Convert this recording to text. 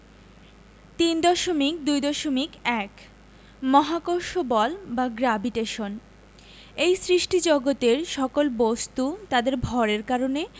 ৩.২.১ মহাকর্ষ বল বা গ্রেভিটেশন এই সৃষ্টিজগতের সকল বস্তু তাদের ভরের কারণে